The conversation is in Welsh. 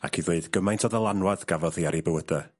...ac i ddweud gymaint o ddylanwad gafodd hi ar 'u bywyde.